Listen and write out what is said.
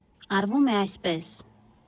Արվում է այսպես.